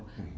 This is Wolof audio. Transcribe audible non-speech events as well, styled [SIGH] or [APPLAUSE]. [HESITATION] [HESITATION]